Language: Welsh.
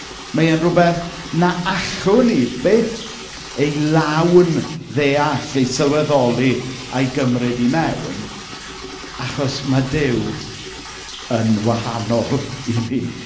Mae e'n rywbeth na allwn ni byth ei lawn ddeall, ei sylweddoli a'i gymryd i mewn, achos ma' Duw yn wahanol i ni.